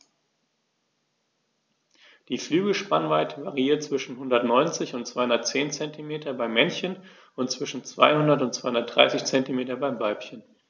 Die Flügelspannweite variiert zwischen 190 und 210 cm beim Männchen und zwischen 200 und 230 cm beim Weibchen.